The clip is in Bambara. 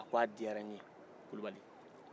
o diyara n ye kulubali